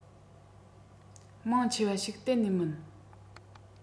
མང ཆེ བ ཞིག གཏན ནས མིན